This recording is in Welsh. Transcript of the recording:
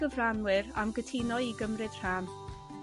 gyfranwyr am gytuno i gymryd rhan.